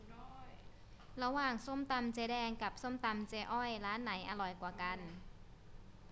ระหว่างส้มตำเจ๊แดงกับส้มตำเจ๊อ้อยร้านไหนอร่อยกว่ากัน